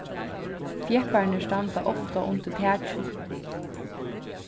fjeppararnir standa ofta undir takinum